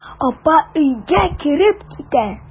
Апа өйгә кереп китә.